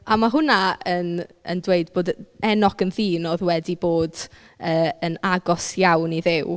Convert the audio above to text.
A ma' hwnna yn yn dweud bod Enoch yn ddyn oedd wedi bod yy yn agos iawn i Dduw.